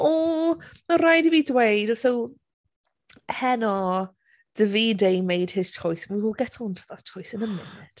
Ww mae'n rhaid i fi dweud o so, heno Davide made his choice and we will get onto that choice in a minute.